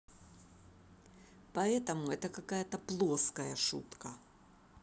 поэтому это какая то плоская шутка